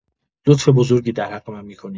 لطف بزرگی در حق من می‌کنی.